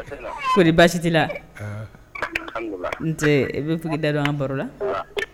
Kɔri baasi tɛ i la, i ni ce i bɛ se k'i da don an baro la